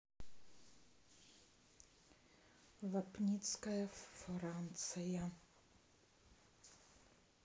липницкая франция